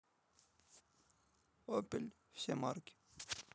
опель все марки